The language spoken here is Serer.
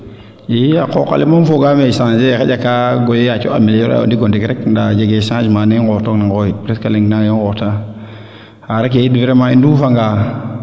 i a qoqale moom fogame changer ee xaƴa kaa yaaco ameliorer oxxa o ndiko ndik rek ndaa jege changement ne ndox togina ngoxit parce que naaga i ngooxta arake yit vraiment i ndufa nga